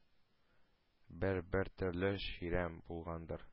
Бер-бер төрле чирем булгандыр,